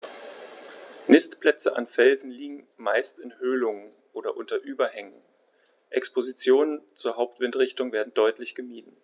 Nistplätze an Felsen liegen meist in Höhlungen oder unter Überhängen, Expositionen zur Hauptwindrichtung werden deutlich gemieden.